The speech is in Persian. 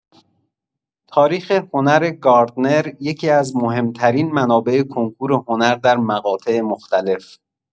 تاریخ هنر گاردنر یکی‌از مهمترین منابع کنکور هنر در مقاطع مختلف